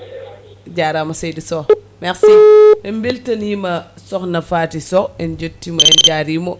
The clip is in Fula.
jarama seydi Sow merci en beltanima sohkna Faty Sow en jettimo en jarimo